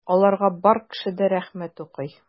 Аларга бар кеше дә рәхмәт укый.